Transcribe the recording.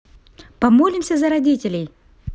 помолимся за родителей